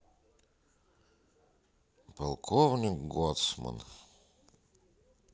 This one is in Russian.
полковник гоцман